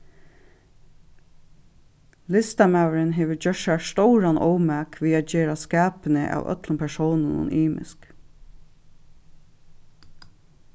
listamaðurin hevur gjørt sær stóran ómak við at gera skapini av øllum persónunum ymisk